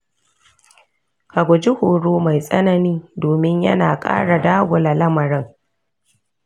ka guji horo mai tsanani domin yana kara dagula lamarin.